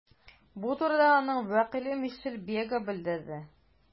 Бу турыда аның вәкиле Мишель Бега белдерде.